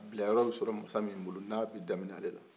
a kun bilayɔrɔ bɛ sɔrɔ masa min bolo n'a bɛ daminɛ ale la